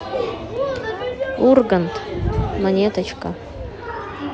ургант монеточка